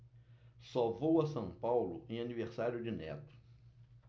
só vou a são paulo em aniversário de neto